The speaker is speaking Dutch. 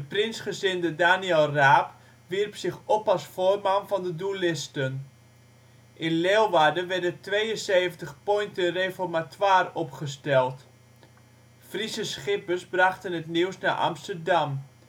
prinsgezinde Daniel Raap wierp zich op als voorman van de Doelisten. In Leeuwarden werden 72 pointen reformatoir opgesteld. Friese schippers brachten het nieuws naar Amsterdam